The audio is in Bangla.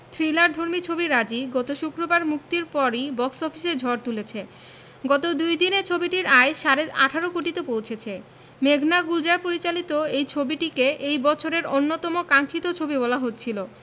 থ্রিলারধর্মী ছবি রাজী গত শুক্রবার মুক্তির পরই বক্স অফিসে ঝড় তুলেছে গত দুই দিনে ছবিটির আয় সাড়ে ১৮ কোটিতে পৌঁছেছে মেঘনা গুলজার পরিচালিত এই ছবিটিকে এই বছরের অন্যতম কাঙ্খিত ছবি বলা হচ্ছিল